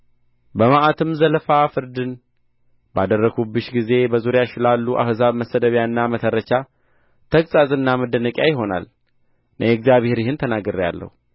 በመዓትም ዘለፋ ፍርድን ባደረግሁብሽ ጊዜ በዙሪያሽ ላሉ አሕዛብ መሰደቢያና መተረቻ ተግሣጽና መደነቂያ ይሆናል እኔ እግዚአብሔር ይህን ተናግሬአለሁ